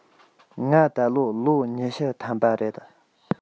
ང ད ལོ ལོ ཉི ཤུ ཐམ པ རེད